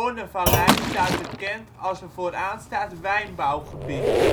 Rhônevallei staat bekend als een vooraanstaand wijnbouwgebied